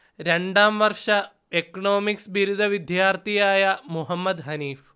രണ്ടാംവർഷ economics ബിരുദ വിദ്യാർത്ഥിയായ മുഹമ്മദ് ഹനീഫ്